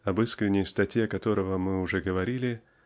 об искренней статье которого мы уже говорили